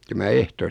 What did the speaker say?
ja minä ehtoosti